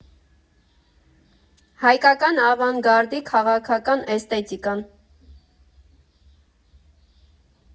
Հայկական ավանգարդի քաղաքական էսթետիկան։